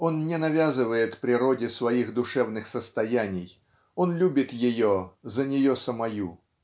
он не навязывает природе своих душевных состояний он люби? ее за нее самое